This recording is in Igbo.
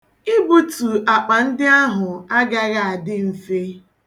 Ibutu akpa ndị ahụ agaghị adị mfe.